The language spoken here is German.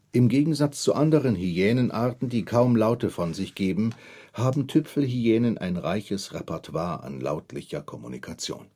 Im Gegensatz zu den anderen Hyänenarten, die kaum Laute von sich geben, haben Tüpfelhyänen ein reiches Repertoire an lautlicher Kommunikation